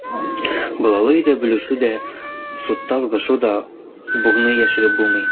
Балалы өйдә бүлешү дә, судта ызгышу да, бурны яшереп булмый.